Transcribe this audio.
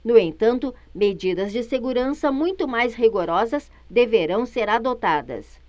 no entanto medidas de segurança muito mais rigorosas deverão ser adotadas